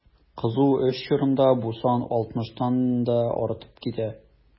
Кызу эш чорында бу сан 60 тан да артып китә.